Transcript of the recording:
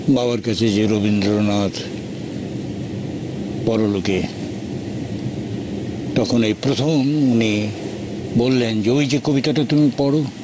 বাবার কাছে যে রবীন্দ্রনাথ পরলোকে তখন এই প্রথম উনি বললেন যে ওই যে কবিতাটা তুমি পড়ো